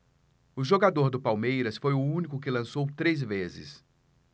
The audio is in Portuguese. o jogador do palmeiras foi o único que lançou três vezes